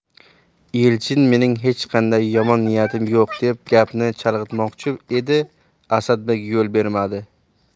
elchin mening hech qanday yomon niyatim yo'q deb gapni chalg'itmoqchi edi asadbek yo'l bermadi